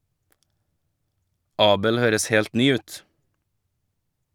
Abel høres helt ny ut.